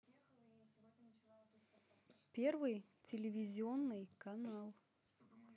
первый телевизионный канал